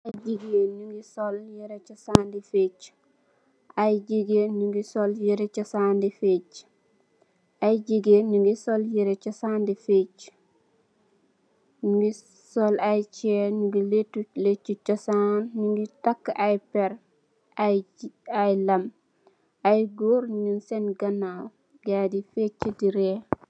Ay jigeen ñu ngi sol yirèh cosaan di fecci, ñu ngi sol ay cèèn , ñu ngi lèttu lèttu cosaan, ñu ngi takka ay péér ay lam, ay gór ñu ngi sèèn ganaw gayi di fecci di rèy.